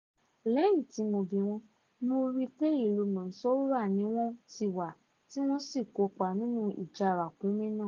Lẹ́yìn tí mo bì wọ́n, mo ríi pé ìlú Mansoura ni wọ́n ti wá tí wọ́n sì kópa nínú "Ìjà Ràkúnmí" náà.